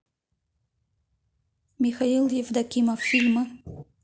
михаил евдокимов фильмы